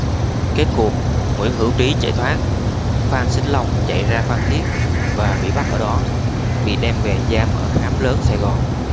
kết cuộc nguyễn hữu trí chạy thoát phan xích long chạy ra phan thiết và bị bắt ở đó bị đem về giam ở khám lớn sài gòn